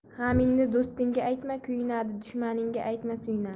g'amingni do'stingga aytma kuyunadi dushmaningga aytma suyunadi